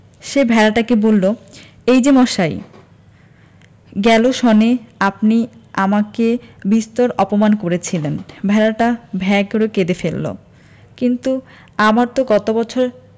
সে ভেড়াটাকে বলল এই যে মশাই গেল সনে আপনি আমাকে বিস্তর অপমান করেছিলেন ভেড়াটা ভ্যাঁ করে কেঁদে ফেলল কিন্তু আমার তো গত বছর